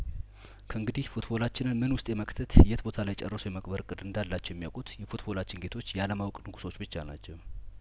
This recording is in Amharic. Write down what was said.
ከእንግዲህ ፉትቦላችንን ምን ውስጥ የመክተት የት ቦታ ላይ ጨርሶ የመቅበር እቅድ እንዳላቸው የሚያውቁት የፉትቦላችን ጌቶች የአለማወቅ ንጉሶች ብቻ ናቸው